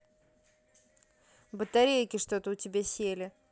батарейки что то у тебя сели